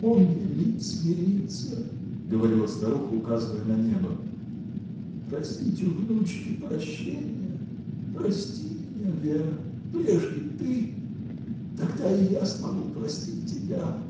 Он велит смириться, — говорила старуха, указывая на небо, — просить у внучки прощения. Прости меня, Вера, прежде ты. Тогда и я могу простить тебя.